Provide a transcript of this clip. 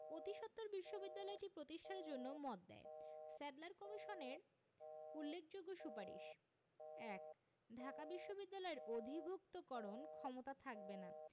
অতিসত্বর বিশ্ববিদ্যালয়টি প্রতিষ্ঠার জন্য মত দেয় স্যাডলার কমিশনের উল্লেখযোগ্য সুপারিশ ১. ঢাকা বিশ্ববিদ্যালয়ের অধিভুক্তকরণ ক্ষমতা থাকবে না